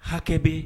Hakɛ bɛ